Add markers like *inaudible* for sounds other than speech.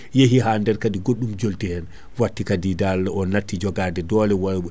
yeeyi ha nder kaadi goɗɗum jolti hen watti kaadi dal no natti joogade doole wa *hesitation*